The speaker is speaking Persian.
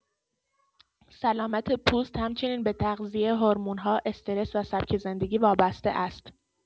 سلامت پوست همچنین به تغذیه، هورمون‌ها، استرس و سبک زندگی وابسته است.